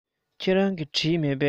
ཁྱེད རང གིས བྲིས མེད པས